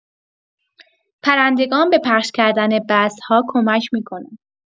پرندگان به پخش کردن بذرها کمک می‌کنن.